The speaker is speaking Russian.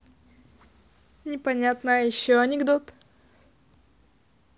непонятно а еще анекдот